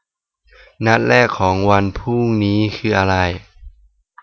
นัดแรกของพรุ่งนี้นี้คืออะไร